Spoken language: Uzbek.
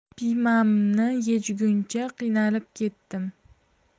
piymamni yechguncha qiynalib ketdim